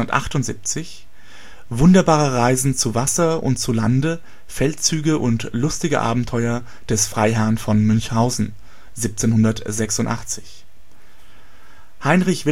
1778 Wunderbare Reisen zu Wasser und zu Lande, Feldzüge und lustige Abenteuer des Freiherren von Münchhausen 1786 Heinrich